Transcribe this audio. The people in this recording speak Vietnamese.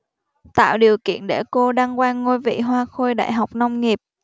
tạo điều kiện để cô đăng quang ngôi vị hoa khôi đại học nông nghiệp